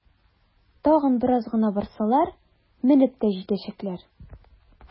Тагын бераз гына барсалар, менеп тә җитәчәкләр!